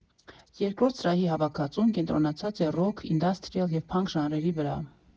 Երկրորդ սրահի հավաքածուն կենտրոնացած է ռոք, ինդասթրիալ և փանկ ժանրերի վրա։